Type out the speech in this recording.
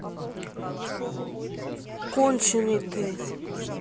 конченный ты